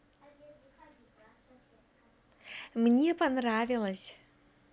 мне понравилось